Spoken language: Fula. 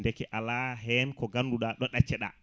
deeke ala hen ko ganduɗa ɗo ɗacceɗa